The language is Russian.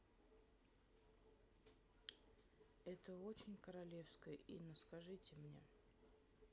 это очень королевское инна скажите мне